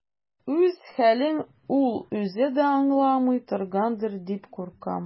Үз хәлен ул үзе дә аңламый торгандыр дип куркам.